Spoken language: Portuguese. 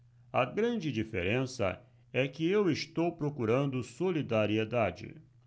a grande diferença é que eu estou procurando solidariedade